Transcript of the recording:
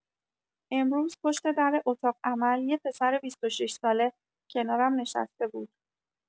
امروز پشت در اتاق عمل یه پسر ۲۶ ساله کنارم نشسته بود.